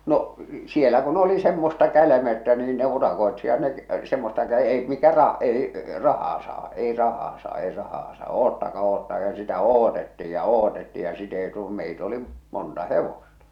no siellä kun oli semmoista kälmeyttä niin ne urakoitsijat ne semmoista - ei mikä - ei rahaa saa ei rahaa saa ei rahaa saa odottakaa odottakaa ja sitä odotettiin ja odotettiin ja sitten ei - meitä oli monta hevosta